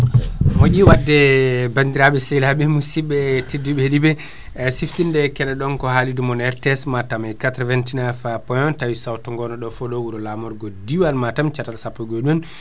moƴƴi wadde bandiraɓe sehilaɓe musibɓe tedduɓe heeɗiɓe siftinde keɗoto ɗon ko haalirde RTS Matam 89.1 tawi sawto ngo ɗo foo wuro lamorgo diwan Matam caatal sappo e go e ɗumen